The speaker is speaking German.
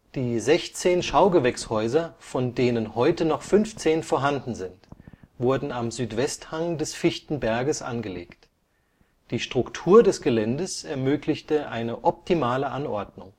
Die 16 Schaugewächshäuser, von denen heute noch 15 vorhanden sind, wurden am Südwesthang des Fichtenberges angelegt. Die Struktur des Geländes ermöglichte eine optimale Anordnung